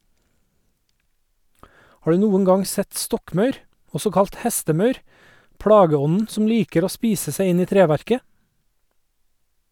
Har du noen gang sett stokkmaur, også kalt hestemaur, plageånden som liker å spise seg inn i treverket?